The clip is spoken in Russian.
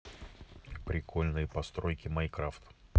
прикольные постройки майнкрафт